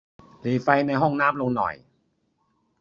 หรี่ไฟในห้องน้ำลงหน่อย